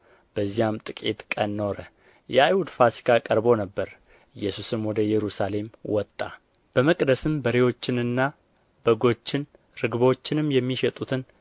በዚያም ጥቂት ቀን ኖሩ የአይሁድ ፋሲካም ቀርቦ ነበር ኢየሱስም ወደ ኢየሩሳሌም ወጣ በመቅደስም በሬዎችንና በጎችን ርግቦችንም የሚሸጡትን